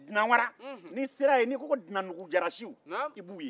dunan wara n'i sera yen n'i ko ko dunandugu jara siw i b'u ye